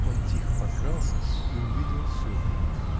Он тихо подкрался и увидел Софью.